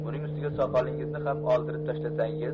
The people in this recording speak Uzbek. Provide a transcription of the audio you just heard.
buning ustiga soqolingizni ham oldirib tashlasangiz